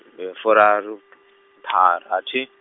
ndi furaru tha rathi.